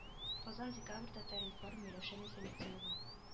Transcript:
Казан декабрь татар-информ миләүшә низаметдинова